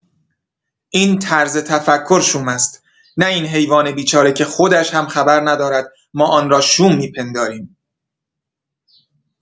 این طرز تفکر شوم است، نه این حیوان بیچاره که خودش هم خبر ندارد ما آن را شوم می‌پنداریم.